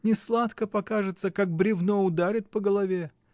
Не сладко покажется, как бревно ударит по голове.